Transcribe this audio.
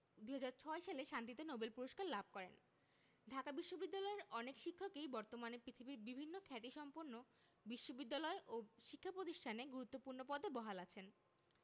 ২০০৬ সালে শান্তিতে নোবেল পূরস্কার লাভ করেন ঢাকা বিশ্ববিদ্যালয়ের অনেক শিক্ষকই বর্তমানে পৃথিবীর বিভিন্ন খ্যাতিসম্পন্ন বিশ্ববিদ্যালয় ও শিক্ষা প্রতিষ্ঠানে গুরুত্বপূর্ণ পদে বহাল আছেন